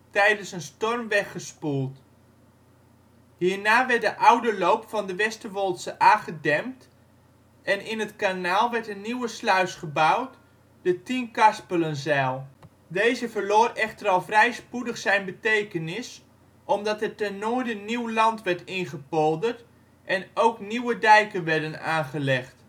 tijdens een storm weggespoeld. Hierna werd de oude loop van de Westerwoldsche Aa gedempt, en in het kanaal werd een nieuwe sluis gebouwd, de Tienkarspelenzijl. Deze verloor echter al vrij spoedig zijn betekenis omdat er ten noorden nieuw land werd ingepolderd en ook nieuwe dijken werden aangelegd